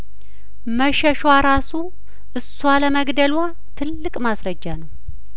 መሸሿ እራሱ እሷ ለመግደሏ ትልቅ ማስረጃ ነው